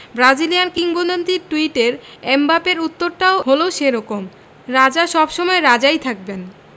Brazilian কিংবদন্তির টুইটের এমবাপ্পের উত্তরটাও হলো সে রকম রাজা সব সময় রাজাই থাকবেন